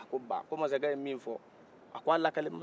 a ko ba ko masakɛ ye min fɔ a ko a lakale ma di